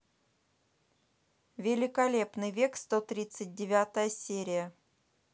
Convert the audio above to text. великолепный век сто тридцать девятая серия